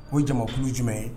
O jamakun jumɛn ye